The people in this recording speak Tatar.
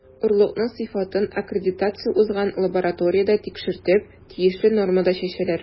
Орлыкның сыйфатын аккредитация узган лабораториядә тикшертеп, тиешле нормада чәчәләр.